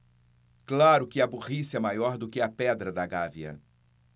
claro que a burrice é maior do que a pedra da gávea